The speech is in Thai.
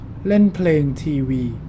เล่นเพลงทีวี